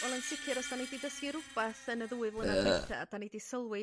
Wel yn sicr os 'da ni 'di dysgu r'wbath yn y ddwy flynadd ddwutha 'da ni 'di sylwi